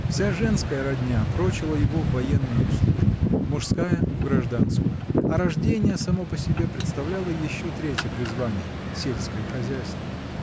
Вся женская родня прочила его в военную службу, мужская — в гражданскую, а рождение само по себе предоставляло еще третье призвание — сельское хозяйство.